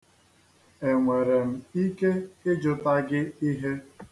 Enwere m ike ịjụta gị ihe?